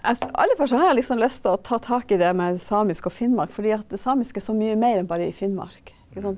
es aller først så har jeg liksom lyst til å ta tak i det med samisk og Finnmark, fordi at samisk er så mye mer enn bare i Finnmark ikke sant.